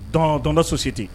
Dans dans notre société